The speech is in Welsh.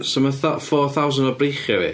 So, ma fatha four thousand o breichiau fi?